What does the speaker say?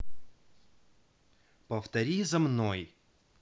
повтори за мной